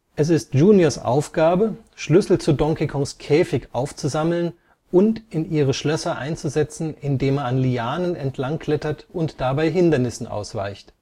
Es ist Juniors Aufgabe, Schlüssel zu DKs Käfig aufzusammeln und in ihre Schlösser einzusetzen, indem er an Lianen entlang klettert und dabei Hindernissen ausweicht